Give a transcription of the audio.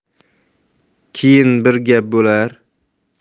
keyin bir gap bo'lar